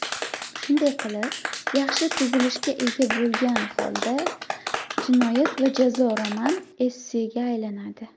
shunday qilib yaxshi tuzilishga ega bo'lgan holda jinoyat va jazo roman essega aylanadi